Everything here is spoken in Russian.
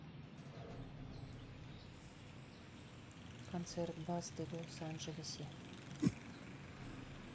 концерт басты в лос анджелесе